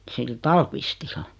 sillä Tallqvistilla